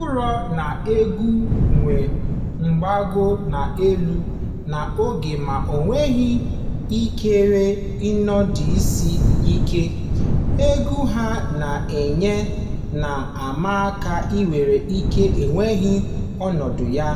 Ọ bụrụ na egwu wuo gbagoo n'elu n'oge ma o nweghị ikikere ịnọdụsi ike, egwu ha na ya na-ama aka nwere ike weghara ọnọdụ ya.